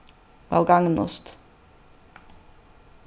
væl gagnist